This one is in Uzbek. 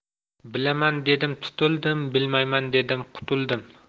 bilaman dedim tutildim bilmayman dedim qutuldim